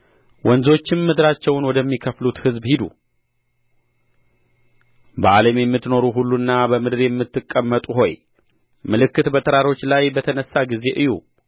ወንዞችም ምድራቸውን ወደሚከፍሉት ሕዝብ ሂዱ በዓለም የምትኖሩ ሁሉና በምድር የምትቀመጡ ሆይ ምልክት በተራሮች ላይ በተነሣ ጊዜ እዩ